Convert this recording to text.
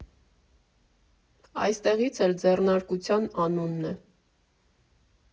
Այստեղից էլ ձեռնարկության անունն է։